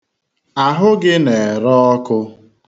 Ahụ gị na-ere ọkụ.